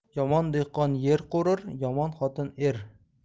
yomon dehqon yer qo'rir yomon xotin er